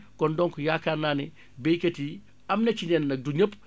kon donc yaakaar naa ni baykat yi am na ci yenn nag du ñépp